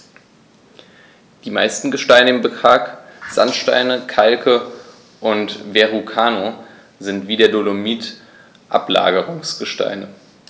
Die meisten Gesteine im Park – Sandsteine, Kalke und Verrucano – sind wie der Dolomit Ablagerungsgesteine.